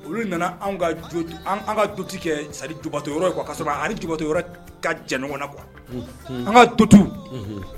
Olu nana ka du kɛ sa jtɔ yɔrɔ ka sɔrɔ alitɔ yɔrɔ ka jɛ na kuwa an ka totu